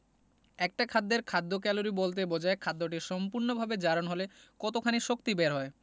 একটা খাদ্যের খাদ্য ক্যালোরি বলতে বোঝায় খাদ্যটি সম্পূর্ণভাবে জারণ হলে কতখানি শক্তি বের হয়